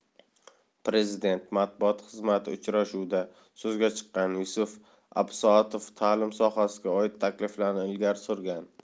prezident matbuot xizmatiuchrashuvda so'zga chiqqan yusuf absoatov ta'lim sohasiga oid takliflarni ilgari surgan